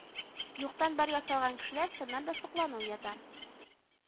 Юктан бар ясаган кешеләр чыннан да соклану уята